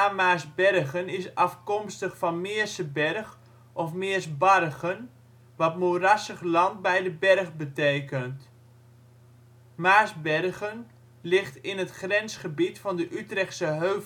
Maarsbergen is afkomstig van Meerseberch of Meersbargen wat moerassig land bij de berg betekent. Maarsbergen ligt in het grensgebied van de Utrechtse